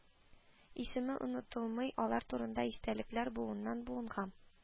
Исеме онытылмый, алар турында истәлекләр буыннан-буынга